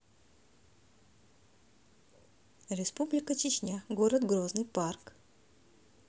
республика чечня город грозный парк